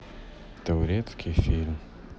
турецкий фильм